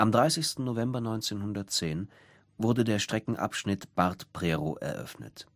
30. November 1910 wurde der Streckenabschnitt Barth – Prerow eröffnet